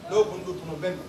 N'o kun do tuma bɛ